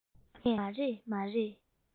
ངས མ རེད མ རེད